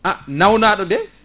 a nawnaɗo de